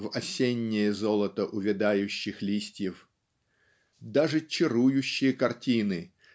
в осеннее золото увядающих листьев. Даже чарующие картины